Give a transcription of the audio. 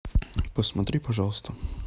посмотри пожалуйста